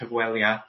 cyfweliat